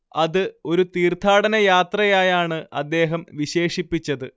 അത് ഒരു തീർത്ഥാടനയാത്രയായാണ് അദ്ദേഹം വിശേഷിപ്പിച്ചത്